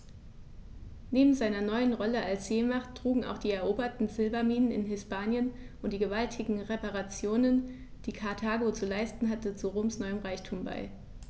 Neben seiner neuen Rolle als Seemacht trugen auch die eroberten Silberminen in Hispanien und die gewaltigen Reparationen, die Karthago zu leisten hatte, zu Roms neuem Reichtum bei.